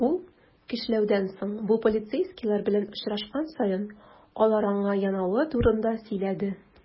Ул, көчләүдән соң, бу полицейскийлар белән очрашкан саен, алар аңа янаулары турында сөйләде.